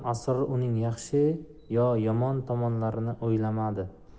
yaxshi yo yomon tomonlarini uylamadi